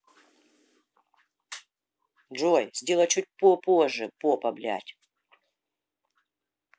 джой сделай чуть позже попа блядь